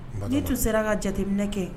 Ji tun sera ka jateminɛ kɛ